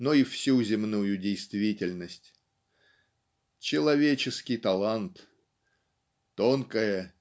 но и всю земную действительность. "Человеческий талант" "тонкое